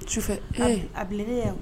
Su fɛ a bilen ne yan